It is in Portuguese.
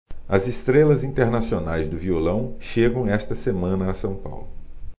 as estrelas internacionais do violão chegam esta semana a são paulo